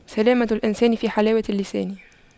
سلامة الإنسان في حلاوة اللسان